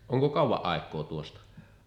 onko kauan aikaa tuosta